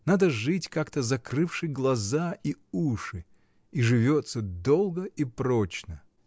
Надо жить как-то закрывши глаза и уши — и живется долго и прочно.